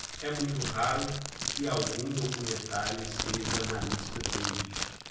é muito raro que algum documentário esteja na lista deles